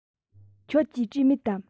ཁྱོད ཀྱིས བྲིས མེད དམ